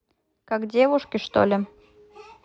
как девушки что ли